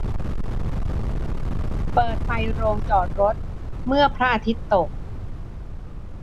เปิดไฟโรงจอดรถเมื่อพระอาทิตย์ตก